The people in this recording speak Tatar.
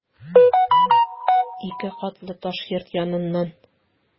Ике катлы таш йорт яныннан...